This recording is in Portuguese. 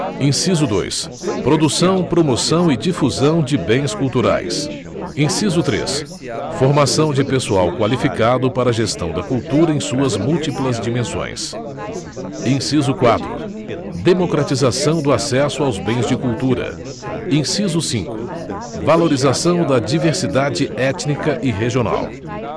inciso dois produção promoção e difusão de bens culturais inciso três formação de pessoal qualificado para a gestão da cultura em suas múltiplas dimensões inciso quatro democratização do acesso aos bens de cultura inciso cinco valorização da diversidade étnica e regional